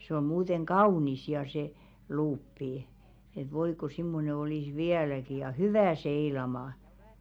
se on muuten kaunis ja se luuppi että voi kun semmoinen olisi vieläkin ja hyvä seilaamaan